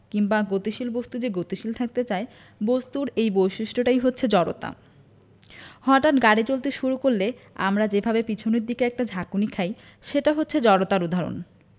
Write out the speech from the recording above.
কিংবা গতিশীল বস্তু যে গতিশীল থাকতে চায় বস্তুর এই বৈশিষ্ট্যটাই হচ্ছে জড়তা হঠাৎ গাড়ি চলতে শুরু করলে আমরা যেভাবে পিছনের দিকে একটা ঝাঁকুনি খাই সেটা হচ্ছে জড়তার উদাহরণ